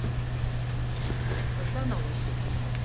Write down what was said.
когда научишься